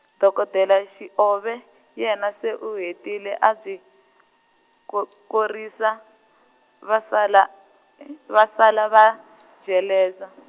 dokodela Xiove, yena se u hetile a byi, ko- korisa , va sala, va sala va , jeleza .